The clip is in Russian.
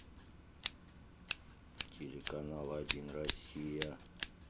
телеканал один россия